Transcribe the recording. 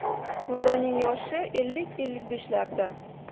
murdaning yoshi ellik ellik beshlarda